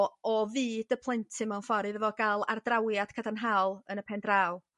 o o fyd y plentyn mewn ffor' iddo fo ga'l ardrawiad cadarnhaol yn y pen draw.